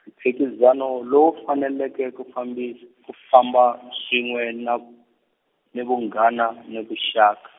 mphikizano lo faneleke ku fambis-, ku famba, swin'we na, ni vunghana, ni vuxaka.